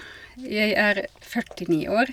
Jeg er førtini år.